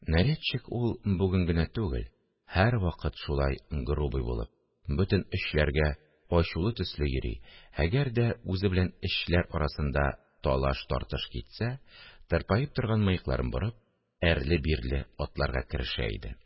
Нарядчик ул бүген генә түгел, һәрвакыт шулай грубый булып, бөтен эшчеләргә ачулы төсле йөри, әгәр дә үзе белән эшчеләр арасында талаш-тартыш китсә, тырпаеп торган мыекларын борып, әрле-бирле атларга керешә иде